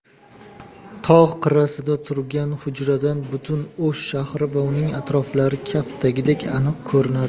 tog' qirrasida turgan hujradan butun o'sh shahri va uning atroflari kaftdagidek aniq ko'rinar edi